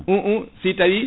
si tawi